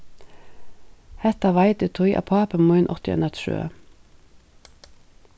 hetta veit eg tí at pápi mín átti eina trøð